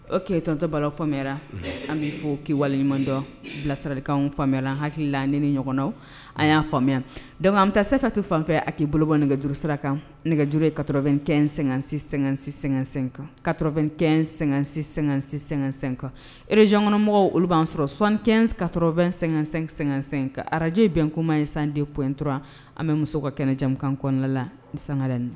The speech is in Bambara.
O keyitatɔba fɔme an bɛ fɔ k'i waleɲumandɔ bilasaralikan faamuyala hakili la ni ni ɲɔgɔnna an y'a faamuya dɔnku an bɛ taa se ka to fanfɛ a k'i bolo bɔ nɛgɛjuru sira kan nɛgɛjuru ye ka kɛ sɛgɛn-sɛ-sɛ-sɛ kan karɔ2-ɛn- sɛgɛn-sɛ-sɛ-sɛkan rezykɔnɔmɔgɔw olu b'a sɔrɔ sɔnɛn ka2--sɛ-sɛ kan araje bɛn kuma in sanden p in dɔrɔn an bɛ muso ka kɛnɛjamukan kɔnlala sanga